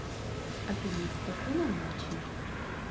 афина спокойной ночи